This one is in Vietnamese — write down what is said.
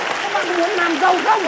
muốn làm giàu không